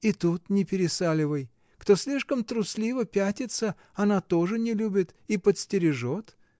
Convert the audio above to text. И тут не пересаливай: кто слишком трусливо пятится, она тоже не любит и подстережет.